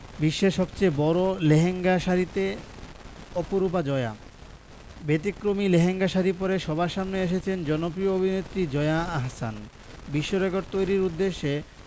বিশ্বের সবচেয়ে বড় লেহেঙ্গা শাড়িতে অপরূপা জয়া ব্যতিক্রমী লেহেঙ্গা শাড়ি পরে সবার সামনে এসেছেন জনপ্রিয় অভিনেত্রী জয়া আহসান বিশ্বরেকর্ড তৈরির উদ্দেশ্যে